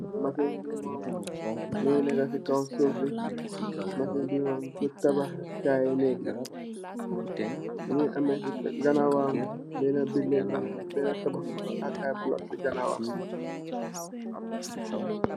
Masin bi mum mugii nekka ci kaw suuf bi, masin bi mum purr tabax ké kay nek la. Mugii ameh ci ganaw wam benna tabax mung fa ak ay bluk ci ganaw wam.